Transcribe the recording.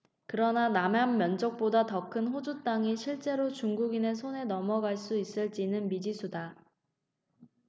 그러나 남한 면적보다 더 큰 호주 땅이 실제로 중국인의 손에 넘어갈 수 있을 지는 미지수다